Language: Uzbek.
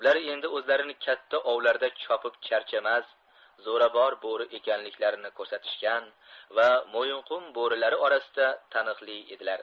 ular endi o'zlarini katta ovlarda chopib charchamas zo'rabor bo'ri ekanliklarini ko'rsatishgan va mo'yinqum bo'rilari orasida taniqli edilar